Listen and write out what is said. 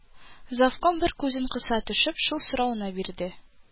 Завком, бер күзен кыса төшеп, шул сорауны бирде